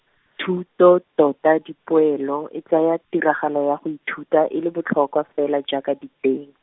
thuto tota dipoelo e tsaya tiragalo ya go ithuta e le botlhokwa fela jaka diteng.